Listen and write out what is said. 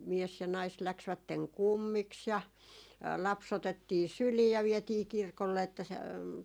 mies ja nainen lähtivät kummiksi ja lapsi otettiin syliin ja vietiin kirkolle että se